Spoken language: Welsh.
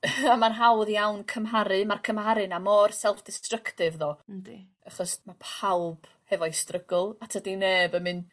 a ma'n hawdd iawn cymharu ma'r cymharu 'na mor self destructive tho... Yndi. ...achos ma' pawb hefo'u strygl a tydi neb yn mynd